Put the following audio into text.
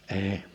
ei